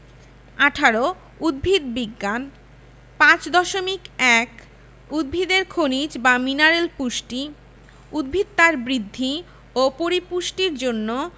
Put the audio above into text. ১৮ উদ্ভিদ বিজ্ঞান ৫.১ উদ্ভিদের খনিজ বা মিনারেল পুষ্টি উদ্ভিদ তার বৃদ্ধি ও পরিপুষ্টির জন্য